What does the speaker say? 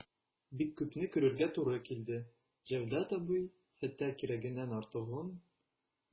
Бик күпне күрергә туры килде, Җәүдәт абый, хәтта кирәгеннән артыгын...